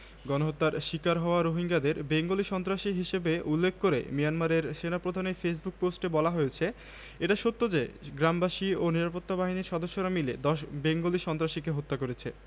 গণহত্যার শিকার হওয়া রোহিঙ্গাদের বেঙ্গলি সন্ত্রাসী হিসেবে উল্লেখ করে মিয়ানমারের সেনাপ্রধানের ফেসবুক পোস্টে বলা হয়েছে এটা সত্য যে গ্রামবাসী ও নিরাপত্তা বাহিনীর সদস্যরা মিলে ১০ বেঙ্গলি সন্ত্রাসীকে হত্যা করেছে